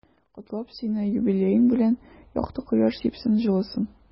Котлап сине юбилеең белән, якты кояш сипсен җылысын.